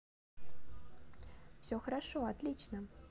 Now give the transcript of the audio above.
все хорошо отлично